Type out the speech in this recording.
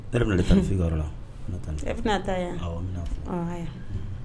Ne taafin la taa